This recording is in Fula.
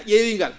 ?eewii ngal